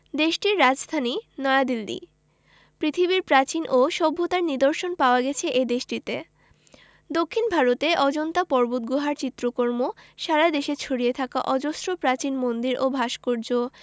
দেশটির রাজধানী নয়াদিল্লী পৃথিবীর প্রাচীন ও সভ্যতার নিদর্শন পাওয়া গেছে এ দেশটিতে দক্ষিন ভারতে অজন্তা পর্বতগুহার চিত্রকর্ম সারা দেশে ছড়িয়ে থাকা অজস্র প্রাচীন মন্দির ও ভাস্কর্য